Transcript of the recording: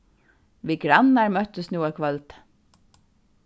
vit grannar møttust nú eitt kvøldið